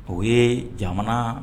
O ye jamana